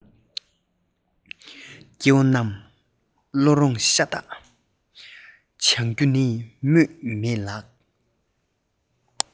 སྐྱེ བོ རྣམས བློ རྨོངས ཤ སྟག འབྱུང རྒྱུ ནི སྨོས མེད ལགས